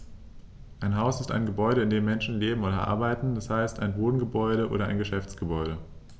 Ein Haus ist ein Gebäude, in dem Menschen leben oder arbeiten, d. h. ein Wohngebäude oder Geschäftsgebäude.